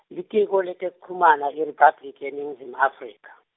Litiko leTekuchumana IRiphabliki yeNingizimu Afrika.